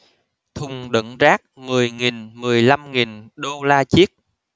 thùng đựng rác mười nghìn mười lăm nghìn đô la chiếc